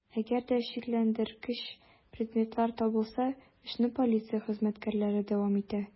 Әгәр дә шикләндергеч предметлар табылса, эшне полиция хезмәткәрләре дәвам итә.